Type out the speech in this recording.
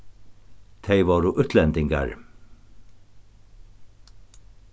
tey vóru útlendingar